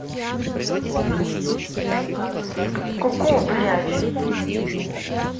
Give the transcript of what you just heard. ку ку блядь